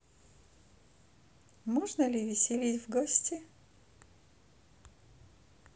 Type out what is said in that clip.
можно ли веселись в гости